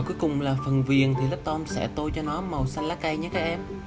và cuối cùng là phần viền thì love tom sẽ tô cho nó màu xanh lá cây nhé các em